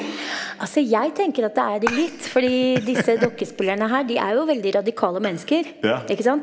altså jeg tenker at det er det litt fordi disse dokkespillerne her, de er jo veldig radikale mennesker ikke sant.